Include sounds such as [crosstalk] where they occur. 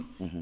[hesitation] [hesitation]